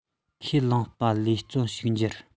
ཁས བླངས པ ལས བརྩོན ཕྱུག འགྱུར